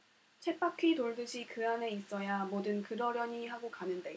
쳇바퀴 돌 듯이 그 안에 있어야 뭐든 그러려니 하고 가는데